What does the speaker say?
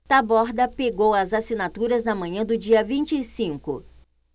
taborda pegou as assinaturas na manhã do dia vinte e cinco